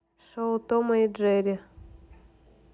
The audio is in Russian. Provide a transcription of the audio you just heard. шоу тома и джерри